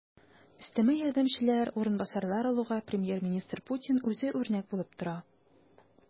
Өстәмә ярдәмчеләр, урынбасарлар алуга премьер-министр Путин үзе үрнәк булып тора.